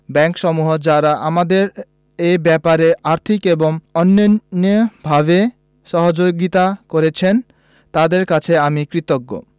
ব্যাংকসমূহ যারা আমাদের এ ব্যাপারে আর্থিক এবং অন্যান্যভাবে সহযোগিতা করেছেন তাঁদের কাছে আমি কৃতজ্ঞ